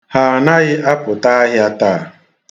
Ha anaghị apụta ahịa taa.